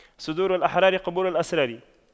صدور الأحرار قبور الأسرار